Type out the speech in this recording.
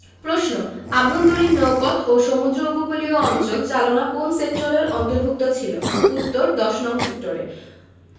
প্রশ্ন আভ্যন্তরীণ নৌপথ ও সমুদ্র উপকূলীয় অঞ্চল চালনা কোন সেক্টরের অন্তভু র্ক্ত ছিল উত্তরঃ ১০নং সেক্টরে